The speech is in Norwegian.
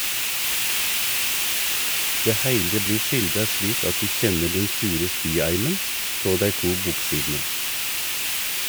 Det heile blir skildra slik at du kjenner den sure spyeimen frå dei to boksidene!